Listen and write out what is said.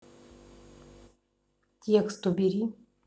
текст убери